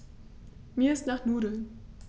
Mir ist nach Nudeln.